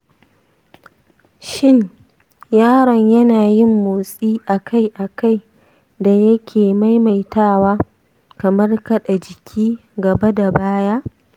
shin yaron yana yin motsi akai-akai da yake maimaitawa kamar kaɗa jiki gaba da baya?